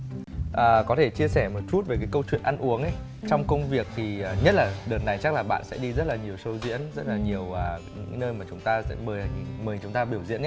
à có thể chia sẻ một chút về cái câu chuyện ăn uống ý trong công việc thì nhất là đợt này chắc là bạn sẽ đi rất là nhiều sâu diễn rất là nhiều à những nơi mà chúng ta sẽ mời mời chúng ta biểu diễn ý ạ